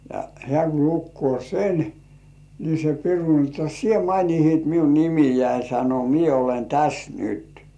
ja hän kun lukee sen niin se piru niin jotta sinä mainitsit minun nimeäni sanoi minä olen tässä nyt